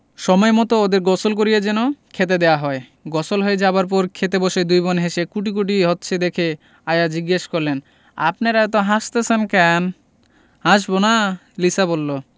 সময়মত ওদের গোসল করিয়ে যেন খেতে দেওয়া হয় গসল হয়ে যাবার পর খেতে বসে দুই বোন হেসে কুটিকুটি হচ্ছে দেখে আয়া জিজ্ঞেস করলেন আপনেরা অত হাসতাসেন ক্যান হাসবোনা লিসা বললো